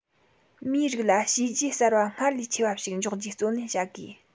མིའི རིགས ལ བྱས རྗེས གསར པ སྔར ལས ཆེ བ ཞིག འཇོག རྒྱུའི བརྩོན ལེན བྱ དགོས